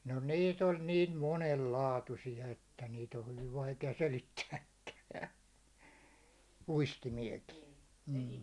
no niitä oli niin monen laatuisia että niitä on hyvin vaikea selittääkään uistimiakin mm